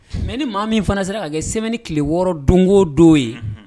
Mɛ ni maa min fana sera ka kɛ sɛbɛnni tile wɔɔrɔ don o don ye